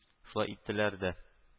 Шулай иттеләр дә